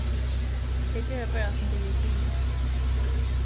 tey gera bara sum tey eru biðin